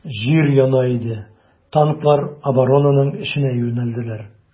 Җир яна иде, танклар оборонаның эченә юнәлделәр.